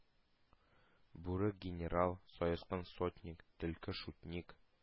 Бүре генерал, саескан сотник, төлке шутник,